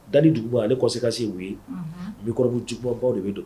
Da duguba ale kɔsikasi bikɔrɔbujugubɔbaw de bɛ don